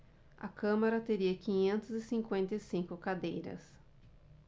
a câmara teria quinhentas e cinquenta e cinco cadeiras